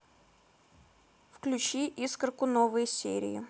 включи искорку новые серии